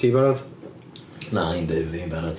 Ti'n barod? Na, o'n i'n deud bo' fi'n barod.